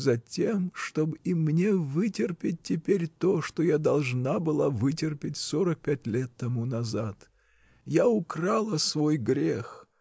— Затем, чтоб и мне вытерпеть теперь то, что я должна была вытерпеть сорок пять лет тому назад. Я укрыла свой грех!